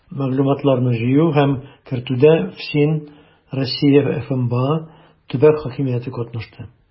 Мәгълүматларны җыю һәм кертүдә ФСИН, Россия ФМБА, төбәк хакимияте катнашты.